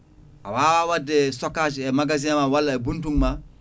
a wawa wadde stockage e magasin ma walla e buntung ma